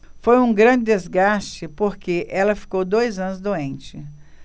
foi um grande desgaste porque ela ficou dois anos doente